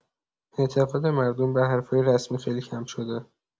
اعتماد مردم به حرفای رسمی خیلی کم شده.